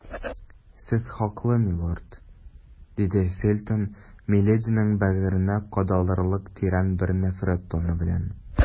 Сез хаклы, милорд, - диде Фельтон милединың бәгыренә кадалырлык тирән бер нәфрәт тоны белән.